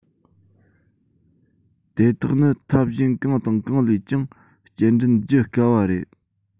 དེ དག ནི ཐབས གཞན གང དང གང ལས ཀྱང སྐྱེལ འདྲེན བགྱི དཀའ བ རེད